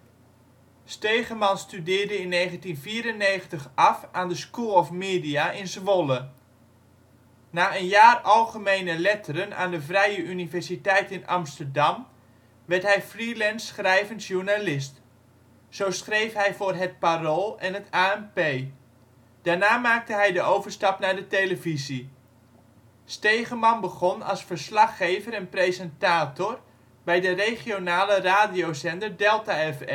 Stegeman studeerde in 1994 af aan de School of Media in Zwolle. Na een jaar Algemene Letteren aan de Vrije Universiteit in Amsterdam werd hij freelance schrijvend journalist. Zo schreef hij voor het Parool en het ANP. Daarna maakte hij de overstap naar de televisie. Stegeman begon als verslaggever en presentator bij de regionale radiozender Delta FM